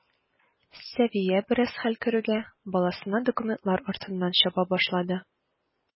Сәвия, бераз хәл керүгә, баласына документлар артыннан чаба башлады.